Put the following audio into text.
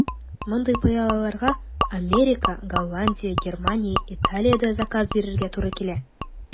Мондый пыялаларга Америка, Голландия, Германия, Италиядә заказ бирергә туры килә.